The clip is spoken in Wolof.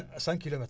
cent kilomètres